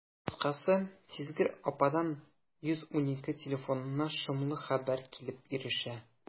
Кыскасы, сизгер ападан «112» телефонына шомлы хәбәр килеп ирешә.